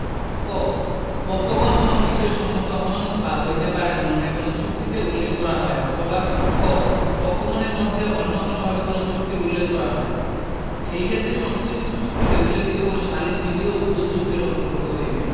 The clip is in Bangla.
ক পক্ষগণ কোন বিষয়ে সম্মত হন বা হইতে পারেন মর্মে কোন চুক্তিতে উল্লেখ করা হয় অথবা খ পক্ষগণের মধ্যে অন্য কোনভাবে কোন চুক্তির উল্লেখ করা হয় সেই ক্ষেত্রে সংশ্লিষ্ট চুক্তিতে উল্লেখিত কোন সালিস বিধিও উক্ত চুক্তির অন্তর্ভুক্ত হইবে